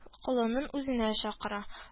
Колынын үзенә чакыра